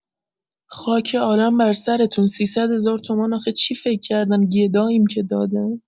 خاک عالم برسرتون ۳۰۰ هزار تومان آخه چی فکر کردن گداییم که دادن